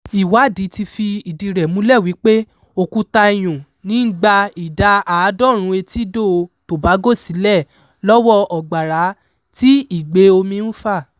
Ìwádìí ti fi ìdíi rẹ̀ múlẹ̀ wípé òkúta iyùn ní ń gba ìdá 90 etídò Tobago sílẹ̀-lọ́wọ́ ọ̀gbàrá tí ìgbé omi ń fà.